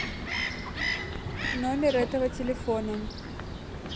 номер этого телефона